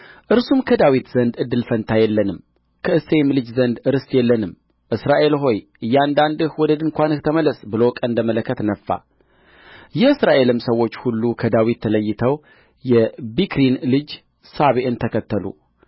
እርሱም ከዳዊት ዘንድ እድል ፈንታ የለንም ከእሴይም ልጅ ዘንድ ርስት የለንም እስራኤል ሆይ እያንዳንድህ ወደ ድንኳንህ ተመለስ ብሎ ቀንደ መለከት ነፋ የእስራኤልም ሰዎች ሁሉ ከዳዊት ተለይተው የቢክሪን ልጅ ሳቤዔን ተከተሉ